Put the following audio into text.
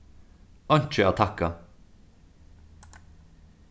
einki at takka